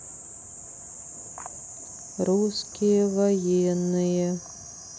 русские военные